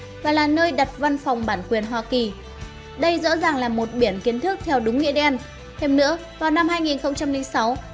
và là nơi đặt văn phòng bản quyền hoa kỳ đây rõ ràng là biển kiến thức theo đúng nghĩa đen thêm nữa vào năm